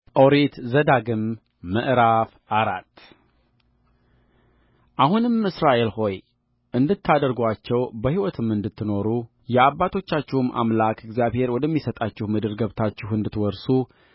ኦሪት ዘዳግም ምዕራፍ አራት አሁንም እስራኤል ሆይ እንድታደርጉአቸው በሕይወትም እንድትኖሩ የአባቶቻችሁም አምላክ እግዚአብሔር ወደሚሰጣችሁ ምድር ገብታችሁ እንድትወርሱ